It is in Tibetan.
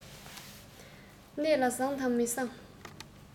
གནས ལ བཟང དང མི བཟང